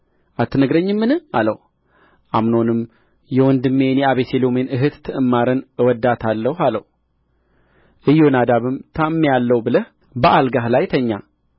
አትነግረኝምን አለው አምኖንም የወንድሜን የአቤሴሎምን እኅት ትዕማርን እወድዳታለሁ አለው ኢዮናዳብም ታምሜአለሁ ብለህ በአልጋህ ላይ ተኛ